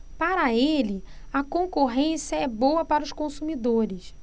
para ele a concorrência é boa para os consumidores